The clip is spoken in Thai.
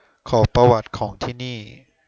ขอประวัติของที่นี่